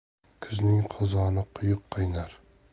kuzning qozoni quyuq qaynar